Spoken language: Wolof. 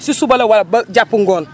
si suba la wala ba jàpp ngoon